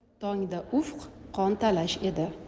tongda ufq qontalash edi